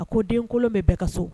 A ko den kolon bɛ bɛɛ ka so